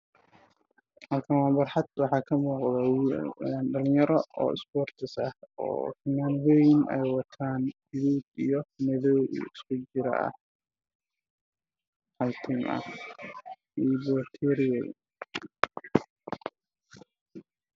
Halkaan waxaa ka muuqdo wiilal dhalinyaro ah waxayna qabaan fanaanado guduud iyo madaw iskugu jiro waana wiilal banooni dheelo